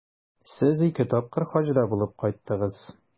Сез ике тапкыр Хаҗда булып кайттыгыз.